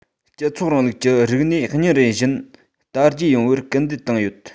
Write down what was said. སྤྱི ཚོགས རིང ལུགས ཀྱི རིག གནས ཉིན རེ བཞིན དར རྒྱས ཡོང བར སྐུལ འདེད བཏང ཡོད